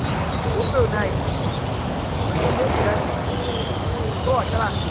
bốn từ này không biết có nghĩa gì đây câu hỏi sẽ là